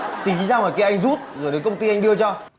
tí ra ngoài kia anh rút rồi đến công ty anh đưa cho